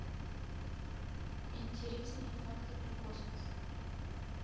интересные факты про космос